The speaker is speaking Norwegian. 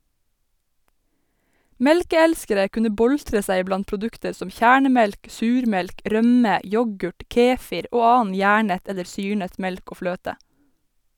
Melkeelskere kunne boltre seg blant produkter som kjernemelk, surmelk, rømme, yoghurt, kefir og annen gjærnet eller syrnet melk og fløte.